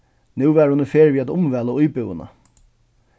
nú var hon í ferð við at umvæla íbúðina